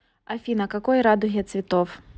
афина какой радуге цветов